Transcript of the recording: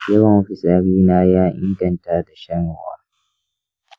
yawan fitsarina ya inganta da shan ruwa.